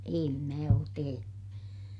en minä ole tehnyt